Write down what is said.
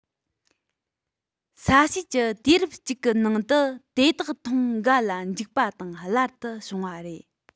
ས གཤིས ཀྱི དུས རབས གཅིག གི ནང དུ དེ དག ཐེངས འགའ ལ འཇིག པ དང སླར དུ བྱུང བ རེད